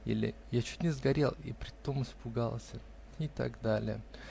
Или: "Я чуть не сгорел и притом испугался" и т. д.